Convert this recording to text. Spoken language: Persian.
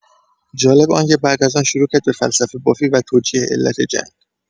جالب آنکه بعد از آن شروع کرد به فلسفه‌بافی و توجیه علت جنگ